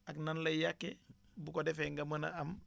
ak nan lay yàqeebu ko defee nga mën a am